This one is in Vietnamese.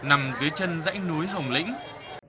nằm dưới chân dãy núi hồng lĩnh